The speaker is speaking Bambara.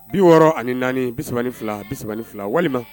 Bi wɔɔrɔ ani naani bisa fila fila walima